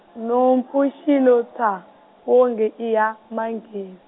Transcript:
nhompfu xi lo thwaa, wonge i ya manghez-.